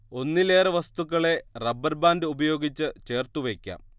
ഒന്നിലെറെ വസ്തുക്കളെ rubber band ഉപയോഗിച്ച് ചേർത്തു വയ്ക്കാം